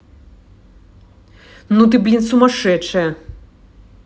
ну ты блин сумасшедшая